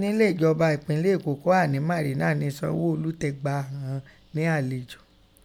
Nile ẹ̀jọba ẹ̀pinlẹ Eko kọ́ hà nẹ́ Marina nẹ Sanwo Olu tẹ gba ghọn nẹ́ alejo.